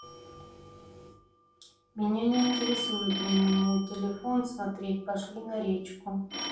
меня не интересует мнение телефон смотреть пошли на речку хуем